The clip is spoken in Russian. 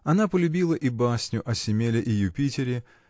Она полюбила и басню о Семеле и Юпитере